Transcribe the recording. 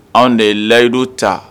Anw de ye layidu ta